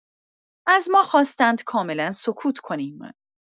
از ما خواستند کاملا سکوت کنیم.